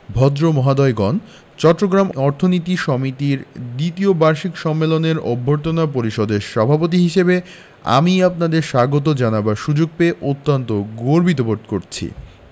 ভদ্রমহোদয়গণ চট্টগ্রাম অর্থনীতি সমিতির দ্বিতীয় বার্ষিক সম্মেলনের অভ্যর্থনা পরিষদের সভাপতি হিসেবে আমি আপনাদের স্বাগত জানাবার সুযোগ পেয়ে অত্যন্ত গর্বিত বোধ করছি